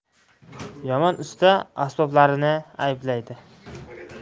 yomon usta asboblarini ayblaydi